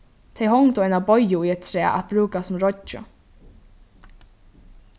tey hongdu eina boyu í eitt træ at brúka sum reiggju